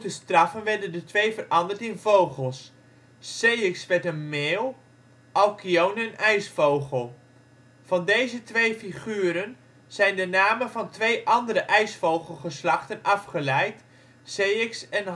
straffen werden de twee veranderd in vogels: Ceyx werd een meeuw, Alkyone een ijsvogel. Van deze twee figuren zijn de namen van twee andere ijsvogelgeslachten afgeleid, Ceyx en